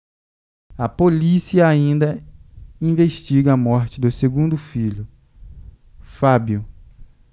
a polícia ainda investiga a morte do segundo filho fábio